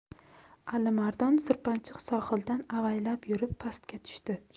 alimardon sirg'anchiq sohildan avaylab yurib pastga tushdi